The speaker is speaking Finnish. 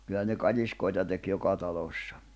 kyllä ne katiskoita teki joka talossa